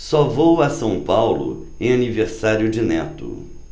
só vou a são paulo em aniversário de neto